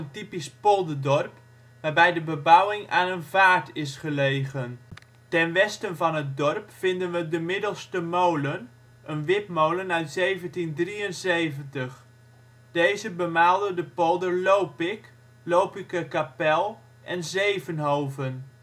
typisch polderdorp, waarbij de bebouwing aan een vaart is gelegen. Ten westen van het dorp vinden we De Middelste Molen, een wipmolen uit 1773. Deze bemaalde de polder Lopik, Lopikerkapel en Zevenhoven